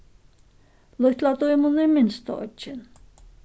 lítla dímun er minsta oyggin